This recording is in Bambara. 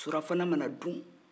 surafana mana dun